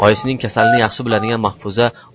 oyisining kasalini yaxshi biladigan mahfuza